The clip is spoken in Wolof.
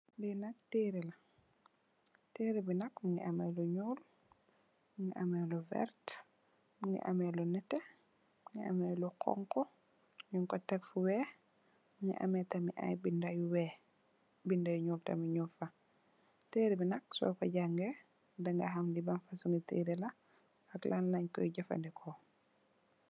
Lii nak tëre la, tëre bi nak, mu ngi am lu ñuul, mu ngi am lu werta, mu ngi amee lu nétté, amee lu xoñxa, ñunk ko tek Fu weex, mu ngi amee tamit ay bindë yu weex, bindë yu ñuul tam mung fa. Terre bi nak, so mo jangee, da nga xam lii ban fasoñ terre la ak lan lañ ko jafëndeko.